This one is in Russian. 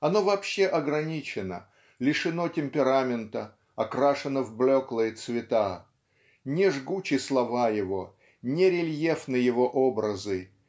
Оно вообще ограничено, лишено темперамента, окрашено в блеклые цвета. Не жгучи слова его не рельефны его образы